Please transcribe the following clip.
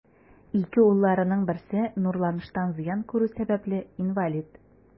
Ике улларының берсе нурланыштан зыян күрү сәбәпле, инвалид.